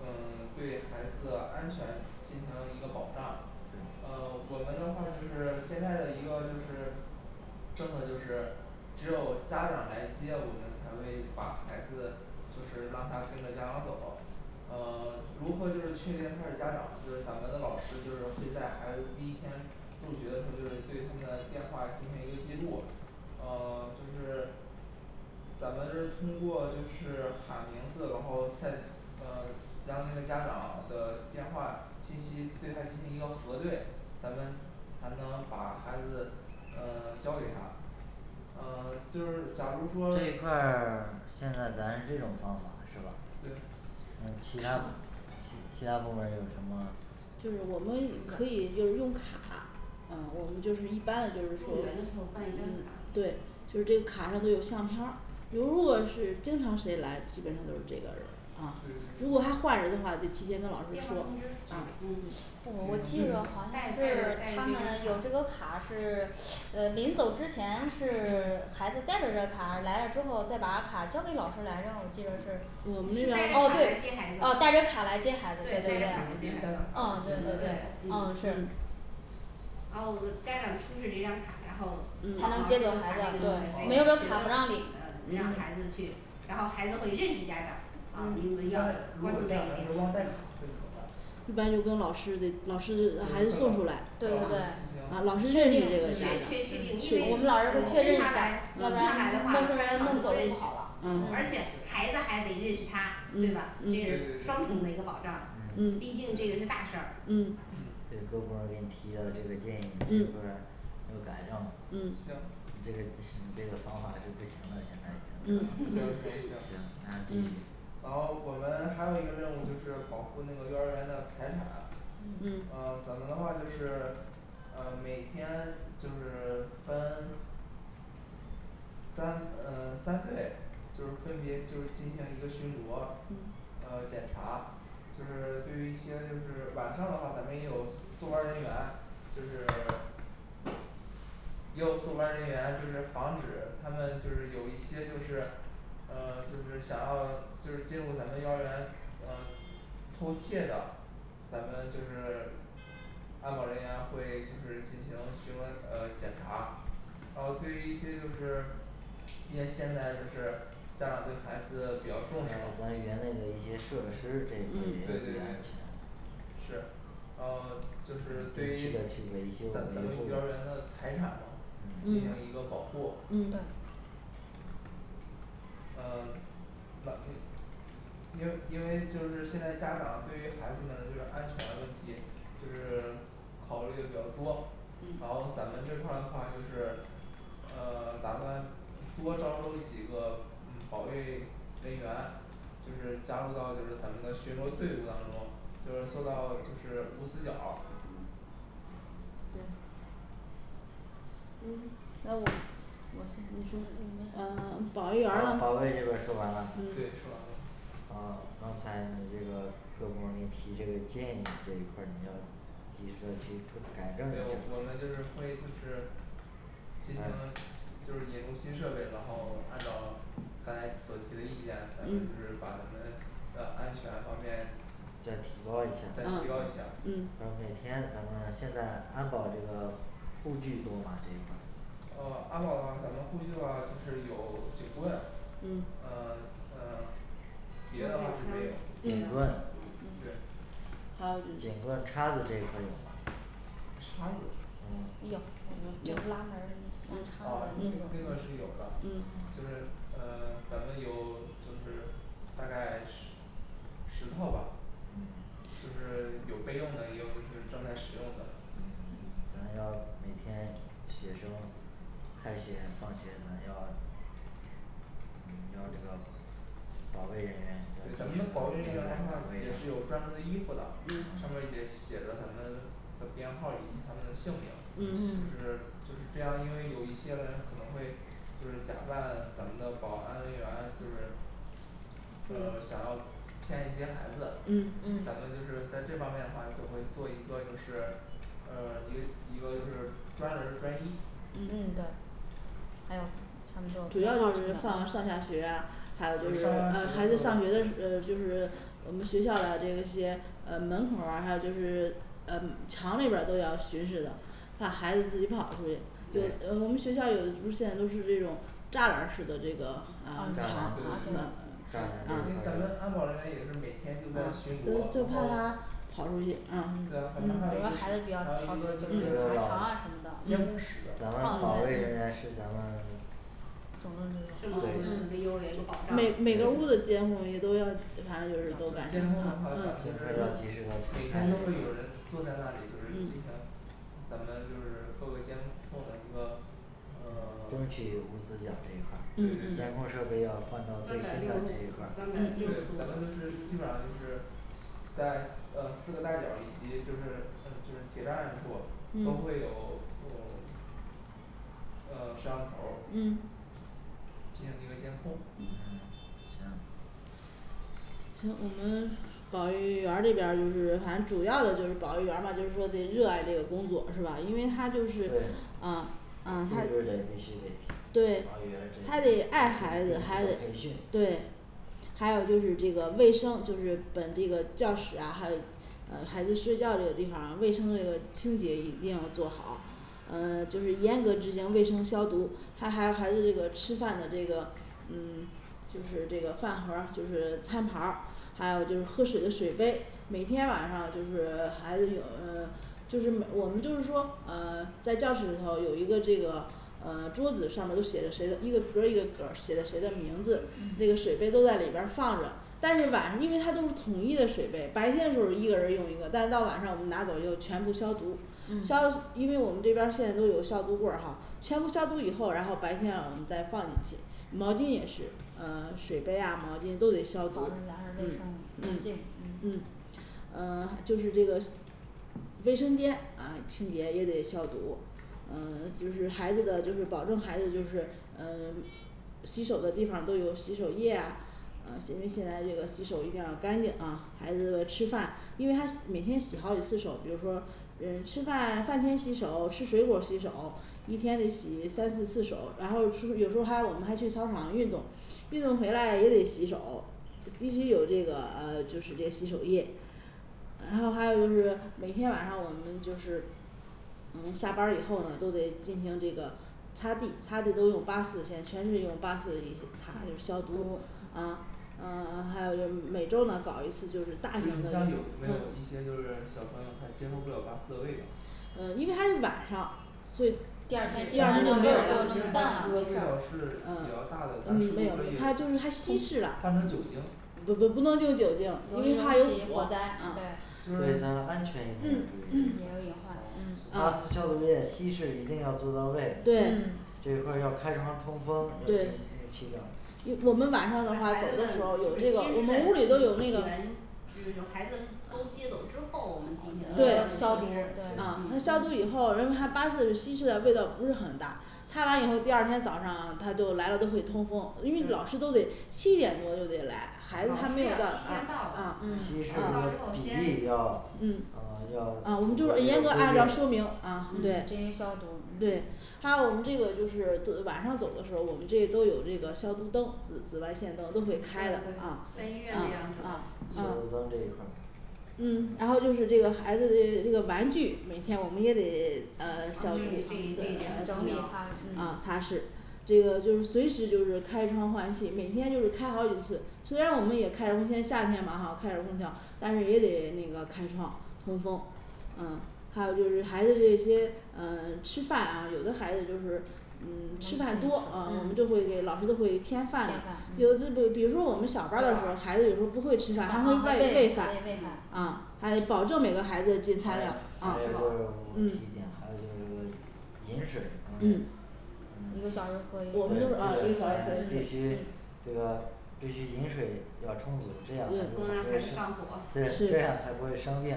呃 对孩子的安全进行一个保障，嗯呃我们的话就是现在的一个就是正的就是只有家长来接，我们才会把孩子就是让他跟着家长走。呃 如何就是确定他是家长，就是咱们的老师就是会在孩子第一天入学的时候儿，就是对他们的电话进行一个记录，呃 就是咱们通过就是喊名字，然后再呃将那个家长的电话信息对他进行一个核对，咱们才能把孩子呃交给他。呃就是假如说，这块儿， 现在咱是这种方法是吧？嗯对其它其其它部门儿有什么？就是我们可以就是用卡呃我们就是一般的就入园的是时候办一张嗯卡对就是这卡上都有相片儿，比如如果是经常谁来，基本上都是这个人儿啊对，对如果他对换人的话，就提前跟老电话师通说知啊啊，嗯就嗯嗯我我我们这记个得带好是像带孩带子是他们有着这这个个卡卡是呃临走之前是 孩子带着这卡来了之后再把卡交给老师来我记得是，是带带着着卡卡来来接接这样，必须家长来接孩孩孩子子，子对对对带对着啊卡来接孩子对对对啊嗯是吗，是然后我们家长出示这张卡，然后才能老接师就走孩把这个这子，个学生没有这卡不让呃领，让孩子去，然后孩子会认识家长啊嗯你啊，对但是如果家长来时们要关注这一点候忘带嗯卡，这怎么办一般就跟老师这对看老师就得把孩子送出来对对看对，让啊他老确定确确确定，因为呃让他来要不然们进师行认定这个家长，嗯，我们老师会确认一下儿嗯，要的不然弄走就不好话了，嗯，嗯，嗯而且孩子还得也得认识他，对吧这也对是双重的对一个保障对，毕竟对这个是大对事儿，嗯，嗯嗯嗯如果你提的这个建议希望都改正嗯行，这个你这个方法是不行的现在，嗯行行行 ，那继续然后我们还有一个任务就是保护那个幼儿园儿的财产，嗯呃嗯咱们的话就是呃每天就是分三呃三队就是分别就是进行一个巡逻嗯呃检查，就是对于一些就是晚上的话，咱们也有宿班儿人员，就是 也有宿班儿人员，就是防止他们就是有一些就是呃就是想要就是进入咱们幼儿园嗯偷窃的咱们就是安保人员会就是进行询问呃检查，然嗯后对于一些就是毕竟现在就是家长对孩子比较还有重视咱嘛园内的一些设施这一块对儿也要注对意对安全是呃就要是对定于期的去维修咱们咱们维护幼儿园儿的财产嘛进行嗯嗯一个保护。嗯，对呃 冷，因为因为就是现在家长对于孩子们就是安全问题就是考虑的比较多，然后嗯咱们这块儿的话就是呃 打算多招收几个嗯保卫人员，就是加入到就是咱们的巡逻队伍当中，就是做到就是无死角儿。嗯对呃那我因，我你先说说，，呃你，先保育员说儿保呢，保卫这边儿嗯说完了对说完了嗯，刚才你这个各部门儿给你提这个建议这一块儿你要及时的去改就正这个，我们就是会议就是还进行有就是引入新设备，然后按嗯照刚才所提的意见，咱们就嗯是把咱们这个安全方面再再提提高高一一下下儿啊儿啊,嗯然后每天咱们现在安保这个护具多吗这一块儿呃安保的话咱们护具的话就是有警棍嗯呃呃别的话是没有，警对棍嗯。还有就，是警棍叉子这一块儿有吗叉啊子，有有嗯，就是拉门儿当啊，有叉子那那种那个是有的，嗯，就是嗯呃咱们有就是大概十十套吧嗯，就是有备用的，也有就是正在使用的。嗯，咱们要每天学生开学放学咱们要嗯要求保卫人员对，嗯咱们的保卫人员的话也是有专门儿的衣服的，上面嗯也写着咱们的编号儿以及他们的姓名，嗯就嗯是就是这样，因为有一些人可能会就是假扮咱们的保安人员就是呃想要骗一些孩子嗯，咱们嗯就是在这方面的话就会做一个就是呃一个一个就是专人儿专衣嗯嗯对还有他们就主要就是放上下学啊，还有就就是上呃孩子上下学学的时就是呃就是我们学校的这这些呃门口儿还有就是呃厂里边儿都要巡视的怕孩子自己跑出去，呃对呃我对们学校有不是现在都是这种栅栏儿式的这个啊对对对，咱藏栅栏还有们就咱呃，啊们安保是人员也是每天就在巡就逻，然后怕他跑出去嗯，对啊，咱们还有有一的个是孩还有子比较调一皮个，就就这个爬是墙啊什么监控室的，咱们啊保卫人对员是咱们嗯是这个我们对是幼儿园的一个保障了每每个屋的对监控也，都要对反正就是都按上，监控的嗯，话咱监控们就要嗯及时是的每查看天都这会一有块人儿坐在那里就是进行咱们就是各个监控的一个呃 对争对对，取无死角儿这一块嗯对儿，咱监嗯控设备要三百六十五三百六换到最新的这一块儿十度的们就嗯是基本上就是在呃四个大角儿，以及就是呃就是铁栅栏处都会嗯有嗯呃摄像头儿嗯进行那个监控嗯，行我我们保育员儿这边儿就是反正主要的就是保育员儿话就是说得热爱这个工作是吧，因为她就是嗯嗯嗯，对，她就热爱是必须，得，对保育员儿得进行定，她得期爱孩子，还得的培，训对还有就是这个卫生就是本这个教室啊，还有呃孩子睡觉儿这个地方儿啊，卫生的清洁一定要做好。呃就是严格执行卫生消毒，还还有孩子这个吃饭的那个嗯，就是这个饭盒儿、就是餐盘儿，还有就是喝水的水杯，每天晚上就是孩子有，呃就是每 我们都是说呃在教室里头有一个这个呃桌子，上面都写着谁的一个格儿一个格儿，写的谁的名字，这个嗯水杯都在里边儿放着，但是晚上因为它都是统一的水杯，白天的时候儿一个人儿用一个，但是到晚上我们拿走，就全部消毒消嗯，因为我们这边儿现在都有消毒柜儿哈，全部消毒以后，然后白天啊我们再放进去，毛巾也是呃水杯啊毛巾都得消保毒证咱，这嗯卫生，，嗯干净。嗯嗯呃就是这个卫生间啊清洁也得消毒，呃就是孩子的就是保证孩子就是呃 洗手的地方儿都有洗手液呀，呃因为现在这个洗手一定要干净啊，孩子吃饭，因为他每天洗好几次手，比如说呃吃饭，饭前洗手、吃水果儿、洗手，一天得洗三四次手，然后是不是有时候儿还有我们还去操场运动，运动回来也得洗手必须有这个呃就是这洗手液。然后还有就是每天晚上我们就是每天下班儿以后呢都得进行这个擦地，擦地都用八四现在全是用八四一起擦就是消对毒用啊，呃还有就是每周儿呢搞一次就像是大型的呃有没有一些就是小朋友他接受不了八四的味道？，呃因为它是晚上所以第二天但是但味道是因为八四的就味散道是比较大了的，，嗯咱是，不没是有可，以它换就是它稀释了成就酒精不不不不能用酒精，因容易为它有有火火灾哎，嗯，就为了安是全也隐嗯嗯有隐患患嗯八哦四行消毒液嗯稀释一定要做到位嗯这块儿要开窗通风定对期的我们管晚孩上的话走子的就的是时候有这其实是个我们屋里都有那个在这就孩子都接走之后，我们进行一啊个措施，对消啊，老师要毒，提前到对的，到对啊了它之后对对消毒以后，因为它八四稀释的味道不是很大，擦完以后第二天早上他就来了都会通风，因为老师都得七点多就得来，老师要提前到的，到了孩子还没有，啊啊，啊稀释嗯这个比之例要后先嗯呃要，啊我符合们这就个是严格按照说规定明啊啊啊，对对，进行消毒嗯对还有我们这个就是自晚上走的时候儿，我们这都有那个消毒灯，紫紫外线灯都会对对对，和医开的啊，啊院一样子啊的，消啊毒嗯灯这一块儿嗯，然后就是这个孩子这这个玩具每天我们也得，呃啊这整这这一点很重要，嗯啊擦拭这个就是随时就是开窗换气，每天就是开好几次，虽然我们也开尤其夏天嘛哈开着空调，但是也得那个开窗通风嗯，还有就是孩子这些呃吃饭啊，有的孩子就是嗯吃饭多，呃我们就嗯会给老师都会添添饭饭，嗯有的不比如说我们小班儿的时候儿，孩子有时候儿不会吃饭，还会啊喂还喂得喂喂饭饭嗯，啊还得保证每个孩子的还有就是我我就提一进餐量啊吃饱，嗯，点，还有就是说饮水，然后就是嗯呃 我一饮们个水呃小时喝呃一嗯我次咱们必须们嗯这个必须饮水要充足，这样才不不能能让孩子上趁火，对，这样是才不会生病，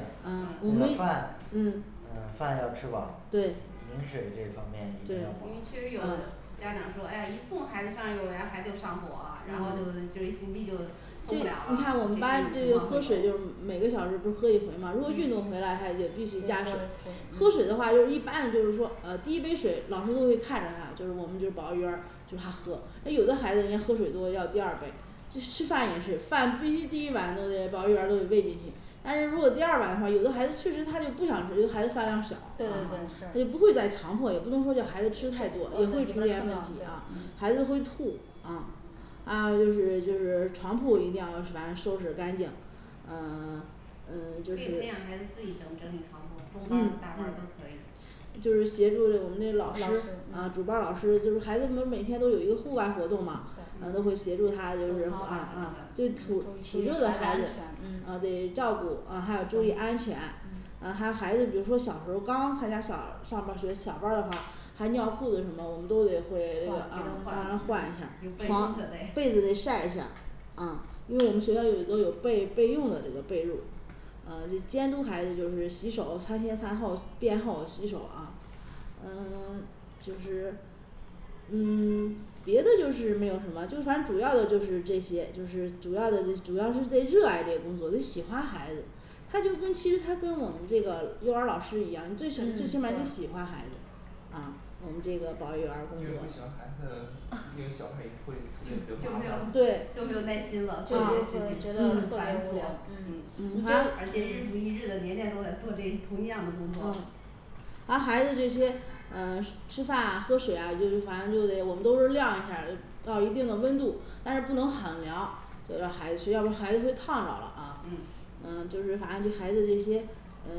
这我嗯个们饭呢嗯呃饭要吃饱，对饮水这方面一对，定因要为确实有的饱家长说诶呀一送孩子上幼儿园孩子就上火，然后就就一星期就送不了了，这你这看我种们情况班就就喝水会有每个小时不是喝一回嘛，如果运动回来还得必须加水喝水的话，一般就是说呃第一杯水老师都会看着他，就是我们就是保育员儿就他喝，诶有的孩子人喝水多，要第二杯这吃饭也是饭必须第一碗都得保育员儿都得喂进去，但是如果第二碗的话，有的孩子确实他就不想吃，因为孩子饭量小啊对对对是，就不会嗯再强迫，也不能说叫啊吃嗯也不能撑着对孩子吃太多，那样胃里边儿太难受了，孩子会吐啊啊还有就是就是床铺，一定要反正收拾干净嗯嗯。可以就是，培嗯养孩子自己整整理床铺，中班儿嗯的大班儿的都可以就是协助着我们这老老师师啊嗯主班儿老师就是孩子们每天都有一个户外活动嘛，都对会协助做操他啊就什是啊，么啊，对的主注意注辅意助的孩子孩安子全，嗯啊嗯对照顾，啊还有注意安全。 啊还有孩子比如说小时候儿刚参加小上班学小班儿的话，还尿裤子什么，我们都得换，给会给他他换换一下有儿备床用的呗被子得晒一下儿啊因为我们学校有都有备备用的这个被褥呃就监督孩子就是洗手，餐前饭后便后洗手啊，呃 就是嗯 别的就是没有什么，就反正主要的就是这些就是主要的主要你得热爱这工作得喜欢孩子。它就跟其实它跟我们这个幼儿老师一样，你嗯，最对、少最起码儿你得喜欢孩子，啊我们这个保育员儿工因作，对，为啊不喜觉得欢会，反正，嗯，嗯孩子，毕竟小孩儿也会对会比就较就对，啊觉得麻没有烦就没有耐这心了，做这些就会事情觉就得很会特，反别繁正琐，嗯，嗯嗯无，聊这而且日复一日的年年都在做这同样的工作。然后孩子这些呃吃吃饭啊喝水啊，就是反正就得我们都是凉一下儿到一定的温度，但是不能很凉，得让孩子主要给孩子被烫着了啊嗯，啊就是拿你孩子这些，呃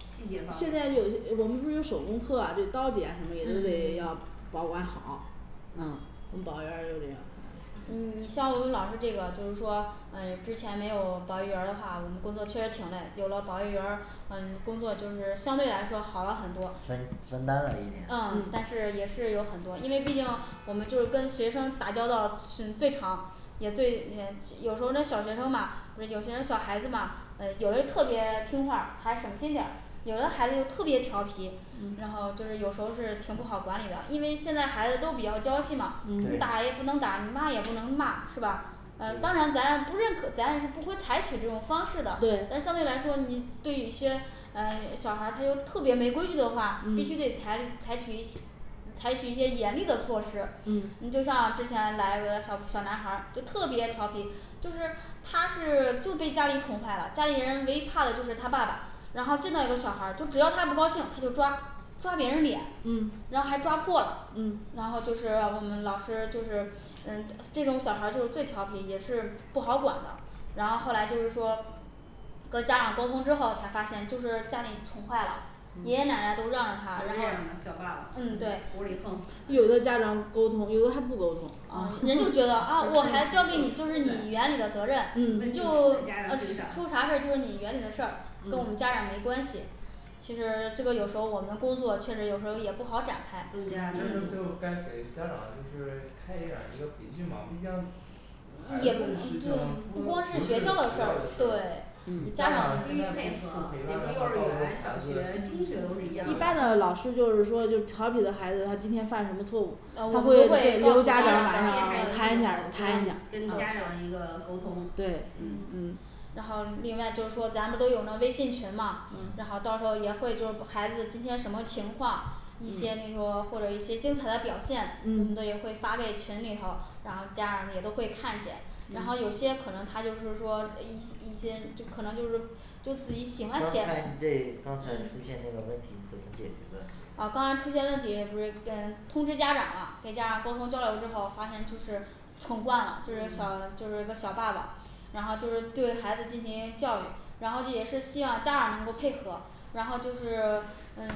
细节方现在面呃我们不是有手工课啊糕点什么也都嗯得要 保管好，嗯，我们保育员儿都这样嗯你像我们老师这个就是说呃之前没有保育员儿的话，我们工作确实挺累，有了保育员儿呃工作就是相对来说好了很多分分担一，嗯，但点嗯是也是有很多，因为毕竟我们就是跟学生打交道是最长也对也有时候儿那小学生吧不是有时候儿那小孩子吧呃有嘞特别听话儿还省心点儿，有嘞孩子就特别调皮，然后就是有时候儿是挺不好管理的，因为现在孩子都比较娇气嘛，你嗯打也对不能打，你骂也不能骂是吧？呃当然对咱不认可咱不会采取这种方式的，但对相对来说你对于一些呃小孩儿他就特别没规矩的的话，必须得嗯采采取一采取一些严厉的措施嗯，你就像之前来了个小小男孩就特别调皮，就是他是就被家里宠坏了，家里人唯一怕的就是他爸爸，然后就那个小孩儿，就只要他不高兴，他就抓抓别人脸嗯，然后还抓破了嗯，然后就是我们老师就是嗯这种小孩儿就是最调皮也是不好管的，然后后来就是说跟家长沟通之后才发现就是家里宠坏了，嗯，有爷爷这奶样奶的都让着他，然后小霸王嗯，嗯，对，窝儿里嗯横有的家长 沟通，有的还不沟通，人就觉得啊我孩子交给你就是你园里的责任问题出在家，你就嗯嗯长身上出啥事儿就是你园里的是事儿，跟我们家长嗯没关系。其实这个有时候我们工作确实有时候也不好展开增加难这个度就该给家长就是开展一个培训嘛，毕竟孩子也不啊的事对情不不光光不是是学学校校的的事事儿，对儿，你你家家长长必现须在不不配合比陪如伴说的话到最幼后儿园孩小子，学对中学都是一样一的般的老师就是说就调皮的孩子他今天犯什么错误，呃我我不接会会不会接告告诉诉他家接孩长孩子子跟看一下儿跟看家一下长一个儿，沟嗯，对通，嗯嗯然后另外就是说咱不都有那微信群嘛，然后嗯到时候儿也会就是孩子今天什么情况，一些内嗯容或者一些精彩的表现，所以嗯会发给群里头，然后家长也都会看见，然后有嗯些可能他就是说一一些就可能就是就自己刚才你喜欢写，这嗯刚才出现嗯这个问题你怎么解决啊刚的就是才出现问题不是跟通知家长了跟家长沟通，交流之后发现就是宠惯了就是小嗯就是一个小霸王然后就是对孩子进行教育，然后也是希望家长能够配合，然后就是呃